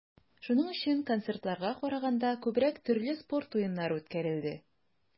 Шуның өчен, концертларга караганда, күбрәк төрле спорт уеннары үткәрелде.